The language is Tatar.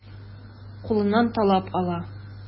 Кулыннан талап ала.